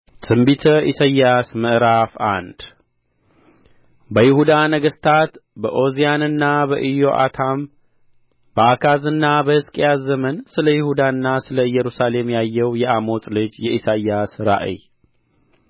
ትንቢተ ኢሳይያስ ምዕራፍ አንድ በይሁዳ ነገሥታት በዖዝያንና በኢዮአታም በአካዝና በሕዝቅያስ ዘመን ስለ ይሁዳና ስለ ኢየሩሳሌም ያየው የአሞጽ ልጅ የኢሳይያስ ራእይ